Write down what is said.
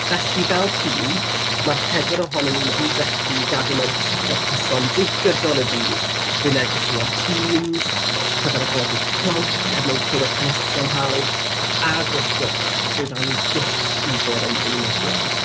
Felly, fel tîm, ma'r pedwar ohonyn ni'n ymdrechu i gadw mewn cysylltiad cyson drwy gydol y dydd, drwy negesuon Teams, cyfarfodydd clonc er mwyn clywed hanesion pawb, ag, wrth gwrs, drwy rannu gifs difyr yn feunyddiol.